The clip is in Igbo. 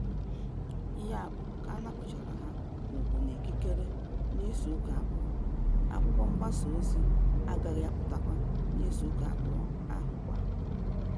Ya bụ, ka a napụchara ha ugwu na ikikere n'izuụka abụọ, akwụkwọmgbasaozi agaghị apụta n'izuụka abụọ ahụ kwa.